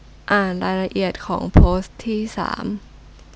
อ่านรายละเอียดของโพสต์ที่สาม